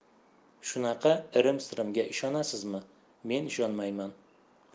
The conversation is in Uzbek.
shunaqa irim sirimga ishonasizmi men ishonmayman